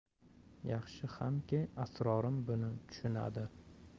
yaxshi xamki asrorim buni tushunadi